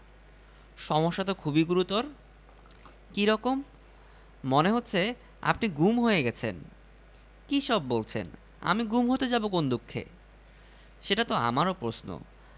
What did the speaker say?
‘তা কিছুটা ব্যর্থ বলা যায় আমতা আমতা করে উত্তর দিলেন মন্ত্রী কিছুটা না পুরোটাই এত দিন ভুলে ছিলেন কিন্তু কাল রাতে তাকে স্বপ্নে দেখে এই এত দিন পরও